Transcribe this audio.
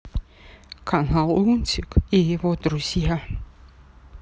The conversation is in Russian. канал лунтик и его друзья